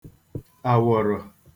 àwọ̀rọ̀